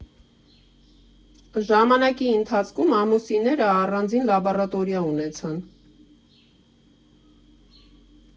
Ժամանակի ընթացքում ամուսինները առանձին լաբորատորիա ունեցան։